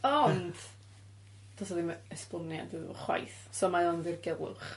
Ond do's o ddim e- esboniad iddo fo chwaith so mae o'n ddirgelwch.